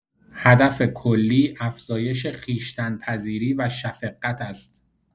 هدف کلی افزایش خویشتن‌پذیری و شفقت است.